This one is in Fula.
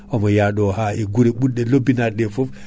omo yaɗo ha e guurée :fraɓurɗe lobbinade ɗe foof